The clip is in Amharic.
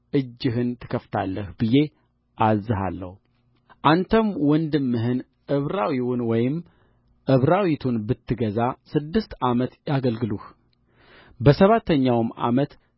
እጅህን ትከፍታለህ ብዬ አዝዝሃለሁ አንተም ወንድምህን ዕብራዊውን ወይም ዕብራዊቱን ብትገዛ ስድስት ዓመት ያገልግሉህ በሰባተኛውም ዓመት ከአንተ ዘንድ አርነት አውጣው